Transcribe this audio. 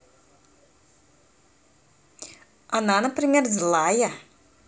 она например злая